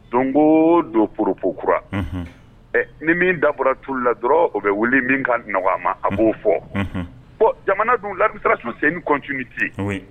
Don ko o don poropo kura ɛ ni min da bɔra tulu la dɔrɔn o bɛ wuli min kan nɔgɔ a ma a b'o fɔ bɔn jamana dun ladmistrasiyɔn sɛ in kɔntunite .